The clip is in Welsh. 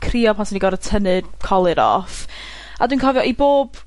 crio pan 'swn i gor'o' tynnu colur off, a dwi'n cofio, i bob...